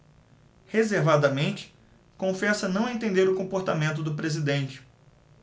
reservadamente confessa não entender o comportamento do presidente